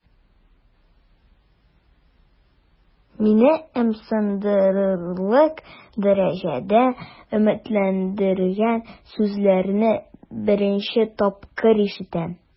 Мине ымсындырырлык дәрәҗәдә өметләндергән сүзләрне беренче тапкыр ишетәм.